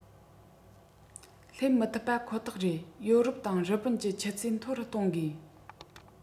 སླེབས མི ཐུབ པ ཁོ ཐག རེད ཡོ རོབ དང རི པིན གྱི ཆུ ཚད མཐོ རུ གཏོང དགོས